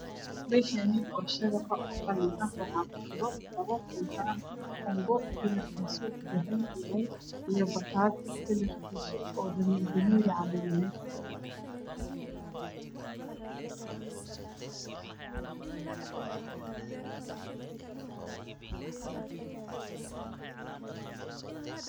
Meshaani waa shabaq oo qalin ah waxaa ku jiro kabo galrkiiso yahay dahabi iyo bataadi kalarkiisu yahay damiri damri camal yahay